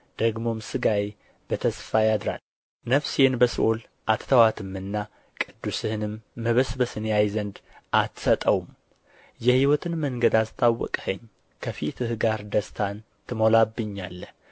ደግሞም ሥጋዬ በተስፋ ያድራል ነፍሴን በሲኦል አትተዋትምና ቅዱስህንም መበስበስን ያይ ዘንድ አትሰጠውም የሕይወትን መንገድ አስታወቅኸኝ ከፊትህ ጋር ደስታን ትሞላብኛለህ